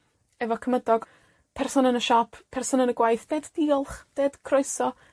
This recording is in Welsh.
Efo cymydog. Person yn y siop. Person yn y gwaith. Deud diolch. Ded croeso.